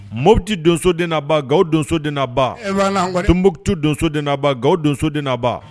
Mɔti donso den n'a ba, Gawo donso den n'a i n'a ba, Tunbotu donso den na ba, Gawo donso den n'a ba.